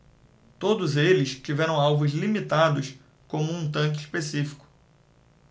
todos eles tiveram alvos limitados como um tanque específico